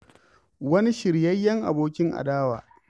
Wani shiryayyen abokin adawa